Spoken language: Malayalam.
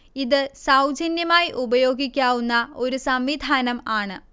ഇത് സൗജന്യമായി ഉപയോഗിക്കാവുന്ന ഒരു സംവിധാനം ആണ്